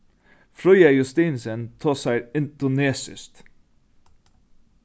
fríða justinussen tosar indonesiskt